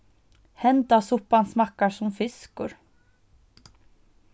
henda suppan smakkar sum fiskur